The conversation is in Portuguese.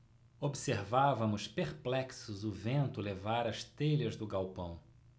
observávamos perplexos o vento levar as telhas do galpão